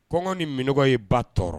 Kɔngɔ ni mɔgɔ ye ba tɔɔrɔ